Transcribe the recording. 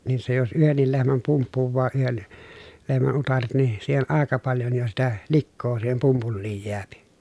niin se jos yhdenkin lehmän pumppuaa yhden lehmän utareet niin siihen aika paljon jo sitä likaa siihen pumpuliin jää